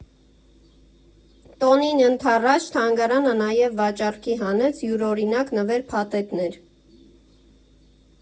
Տոնին ընդառաջ թանգարանը նաև վաճառքի հանեց յուրօրինակ նվեր֊փաթեթներ.